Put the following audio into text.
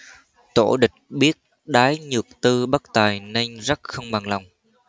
tổ địch biết đái nhược tư bất tài nên rất không bằng lòng